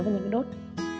và vẽ ra những đốt